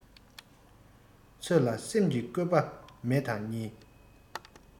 ཚོད ལ སེམས ཀྱི བཀོད པ མེད དང གཉིས